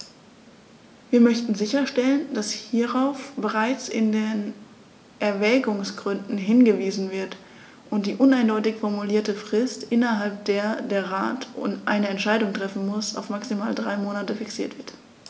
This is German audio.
Wir möchten sicherstellen, dass hierauf bereits in den Erwägungsgründen hingewiesen wird und die uneindeutig formulierte Frist, innerhalb der der Rat eine Entscheidung treffen muss, auf maximal drei Monate fixiert wird.